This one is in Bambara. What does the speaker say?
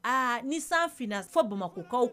Aa ni san fna fo bamakɔkaw